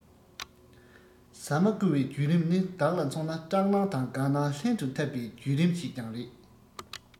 ཟ མ བརྐུ བའི བརྒྱུད རིམ ནི བདག ལ མཚོན ན སྐྲག སྣང དང དགའ སྣང ལྷན དུ འཐབ པའི བརྒྱུད རིམ ཞིག ཀྱང རེད